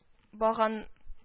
Баган